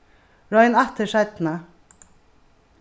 royn aftur seinni